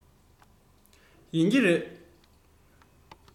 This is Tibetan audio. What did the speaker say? ཡིན གྱི རེད